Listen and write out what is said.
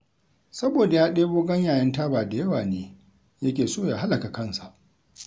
Saboda ya ɗebo ganyayen taba da yawa ne yake so ya halaka kansa.